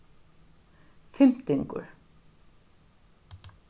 fimtingur